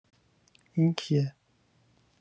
این کیه؟